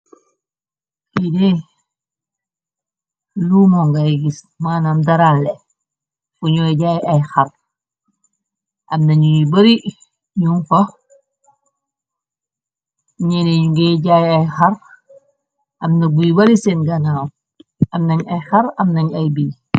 Kite lumo ngay gis, maanam daralle fu ñooy jaay ay xar, amnañuy bari ñu fox ñene, ñu ngay jaay ay xar, amna buy bari seen ganaw, am nañ ay xar, am nañ ay bii.